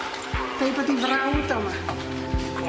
Deud bod 'i frawd o 'ma.